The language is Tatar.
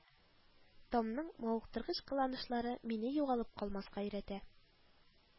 Томның мавыктыргыч кыланышлары мине югалып калмаска өйрәтә